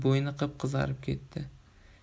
bo'yni qip qizarib ketdi